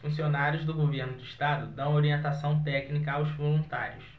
funcionários do governo do estado dão orientação técnica aos voluntários